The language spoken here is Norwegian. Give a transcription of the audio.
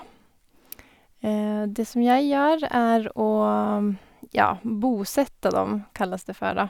Det som jeg gjør, er å, ja, bosette dem, kalles det for, da.